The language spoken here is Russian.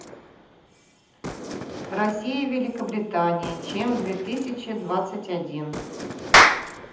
россия великобритания чем две тысячи двадцать один